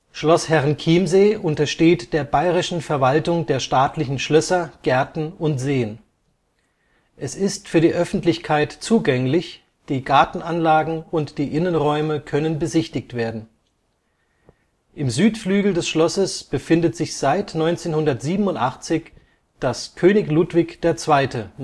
Schloss Herrenchiemsee untersteht der Bayerischen Verwaltung der staatlichen Schlösser, Gärten und Seen. Es ist für die Öffentlichkeit zugänglich, die Gartenanlagen und die Innenräume können besichtigt werden. Im Südflügel des Schlosses befindet sich seit 1987 das König Ludwig II.-Museum